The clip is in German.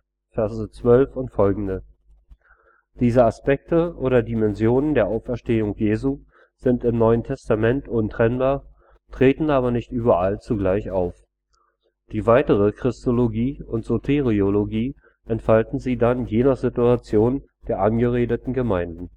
5,12ff). Diese Aspekte oder Dimensionen der Auferstehung Jesu sind im NT untrennbar, treten aber nicht überall zugleich auf. Die weitere Christologie und Soteriologie entfaltete sie dann je nach Situation der angeredeten Gemeinden